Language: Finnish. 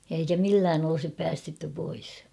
ja eikä millään olisi päästetty pois